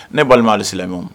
Ne balima haliali silamɛla